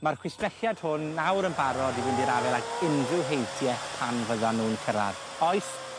Ma'r chwistrelliad hwn nawr yn barod i fynd i'r afel ag unryw heintie pan fyddan nw'n cyrredd. Oes